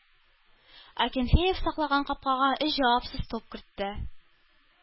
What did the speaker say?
Акинфеев саклаган капкага өч җавапсыз туп кертте.